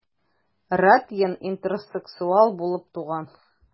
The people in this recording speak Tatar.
Ратьен интерсексуал булып туган.